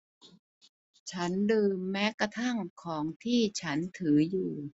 ฉันลืมแม้กระทั่งของที่ฉันถืออยู่